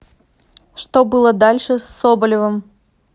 что было дальше с соболевым